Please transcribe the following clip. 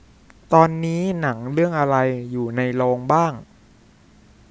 ตอนนี้หนังเรื่องอะไรอยู่ในโรงบ้าง